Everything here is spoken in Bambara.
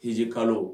Hijikalo